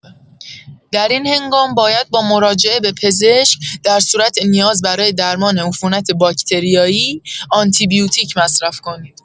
در این هنگام باید با مراجعه به پزشک در صورت نیاز برای درمان عفونت باکتریایی، آنتی‌بیوتیک مصرف کنید.